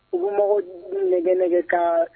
U mago nɛgɛ nɛgɛ ka